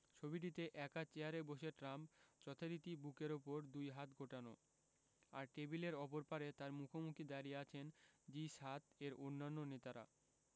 ছবিটিতে একা চেয়ারে বসে ট্রাম্প যথারীতি বুকের ওপর দুই হাত গোটানো আর টেবিলের অপর পারে তাঁর মুখোমুখি দাঁড়িয়ে আছেন জি ৭ এর অন্য নেতারা